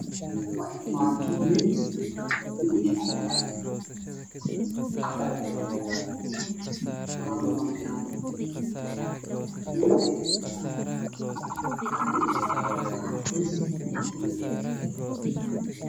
Waa armaajo afar albaab leh laba ka mid ah waa dhalo ota waa mutaraad ka farmaajada qarankeedu waa qaxwi